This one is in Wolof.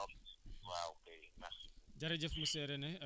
te fànn loolu yëpp mënoon na la ci bañ a fekk